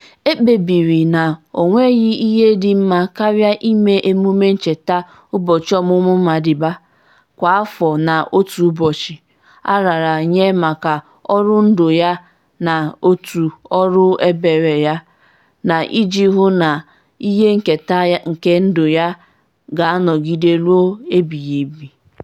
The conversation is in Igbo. E kpebiri na o nweghị ihe dị mma karịa ime emume ncheta ụbọchị ọmụmụ Madiba kwa afọ na otu ụbọchị a raara nye maka ọrụ ndụ yana nke òtù ọrụ ebere ya na iji hụ na ihe nketa nke ndụ ya ga-anọgide ruo ebighịebe.